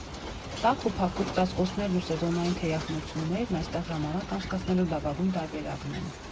Տաք ու փափուկ ծածկոցներն ու սեզոնային թեյախմություններն այստեղ ժամանակ անցկացնելու լավագույն տարբերակն են։